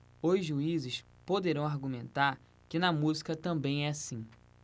os juízes poderão argumentar que na música também é assim